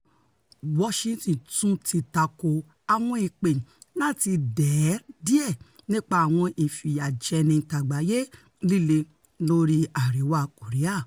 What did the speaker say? Washington tún ti tako àwọn ìpè láti dẹ̀ ẹ́ díẹ̀ nípa àwọn ìfìyàjẹni tàgbáyé líle lórí Àríwa Kòríà.